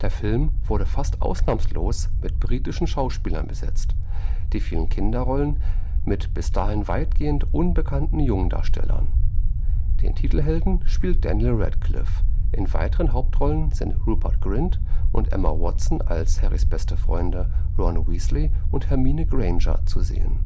Film wurde fast ausnahmslos mit britischen Schauspielern besetzt, die vielen Kinderrollen mit bis dahin weitestgehend unbekannten Jungdarstellern. Den Titelhelden spielt Daniel Radcliffe, in weiteren Hauptrollen sind Rupert Grint und Emma Watson als Harrys beste Freunde Ron Weasley und Hermine Granger zu sehen